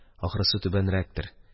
Ахрысы, түбәнрәктер